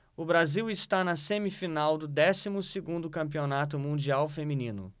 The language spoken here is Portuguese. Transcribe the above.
o brasil está na semifinal do décimo segundo campeonato mundial feminino